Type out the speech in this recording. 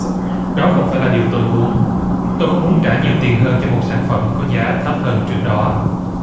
đó không phải là điều tôi muốn tôi không muốn trả nhiều tiền hơn cho một sản phẩm có giá thấp hơn trước đó